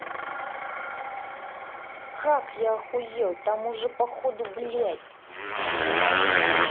как я охуел там уже походу блядь